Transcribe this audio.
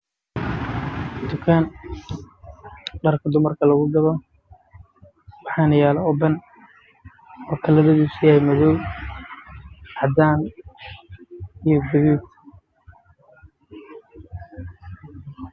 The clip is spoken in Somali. Halkaan waa dukaan